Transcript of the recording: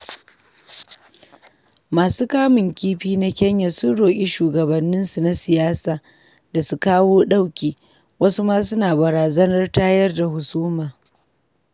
Masu kamun kifi na Kenya sun roƙi shugabanninsu na siyasa da su kawo ɗauki, wasu ma suna barazanar tayar da husuma.